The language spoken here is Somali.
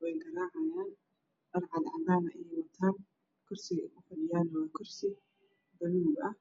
weyna garacayan dhar cadcadan ah eey watan kursiga eey kufadhan waa kursi baluug ah